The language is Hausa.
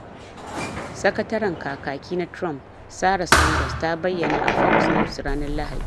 Sakataren Kakaki na Trump, Sara Saunders, ta bayyana a Fox News ranar Lahadi.